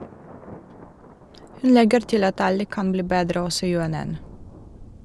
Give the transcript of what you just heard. Hun legger til at alle kan bli bedre, også UNN.